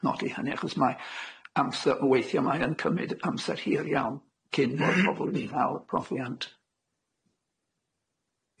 nodi hynny achos mae amser on' weithie mae yn cymyd amser hir iawn cyn bo pobol 'di ca'l y profiant.